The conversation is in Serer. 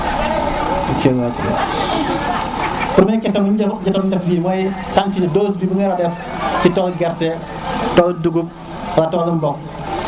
1er question bi ñu joto na def leegi mooy quantiter dose binga wara def si tol gerte tol dugub ak tolu mbok